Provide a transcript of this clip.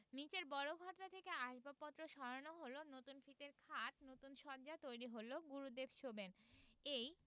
নীচের বড় ঘরটা থেকে আসবাবপত্র সরানো হলো নতুন ফিতের খাট নতুন শয্যা তৈরি হয়ে এলো গুরুদেব শোবেন এই